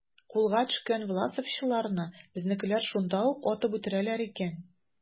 Кулга төшкән власовчыларны безнекеләр шунда ук атып үтерәләр икән.